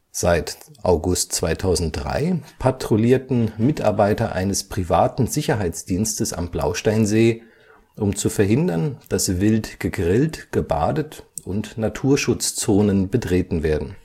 Seit August 2003 patrouillierten Mitarbeiter eines privaten Sicherheitsdienstes am Blausteinsee, um zu verhindern, dass wild gegrillt, gebadet und Naturschutzzonen betreten werden